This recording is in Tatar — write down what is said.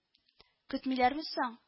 – көтмиләрме соң